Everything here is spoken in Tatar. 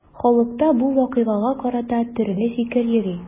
Халыкта бу вакыйгага карата төрле фикер йөри.